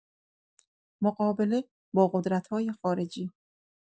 مقابله با قدرت‌های خارجی